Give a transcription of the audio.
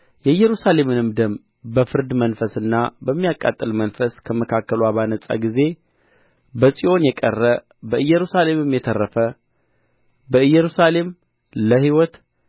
የኢየሩሳሌምንም ደም በፍርድ መንፈስና በሚያቃጥል መንፈስ ከመካከልዋ ባነጻ ጊዜ በጽዮን የቀረ በኢየሩሳሌምም የተረፈ በኢየሩሳሌም ለሕይወት